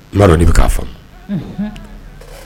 -N m'a dɔn n'i bɛ k'a faamu, Unhun